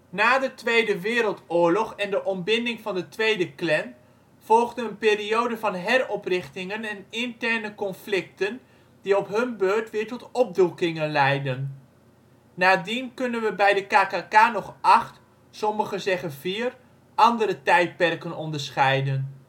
Na de Tweede Wereldoorlog en de ontbinding van de tweede Klan volgde een periode van heroprichtingen en interne conflicten die op hun beurt weer tot opdoekingen leidden. Nadien kunnen we bij de KKK nog acht (sommigen zeggen vier) andere tijdperken onderscheiden